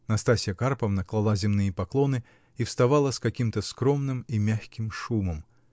Настасья Карповна клала земные поклоны и вставала с каким-то скромным и мягким шумом